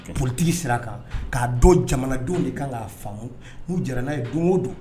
Ptigi sera a kan k'a don jamanadenw de kan k'a faamu n'u jɛra n'a ye don o don